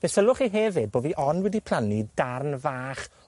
Fe sylwch chi hefyd bo' fi ond wedi plannu darn fach